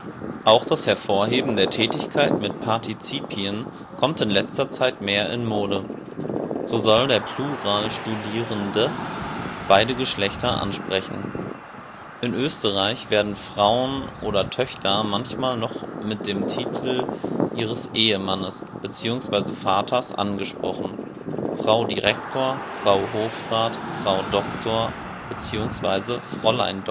Auch das Hervorheben der Tätigkeit mit Partizipien kommt in letzter Zeit mehr in Mode. So soll der Plural Studierende beide Geschlechter ansprechen. In Österreich werden Frauen oder Töchter manchmal noch mit dem Titel ihres Ehemannes bzw. Vaters angesprochen: Frau Direktor, Frau Hofrat, Frau Doktor bzw. Fräulein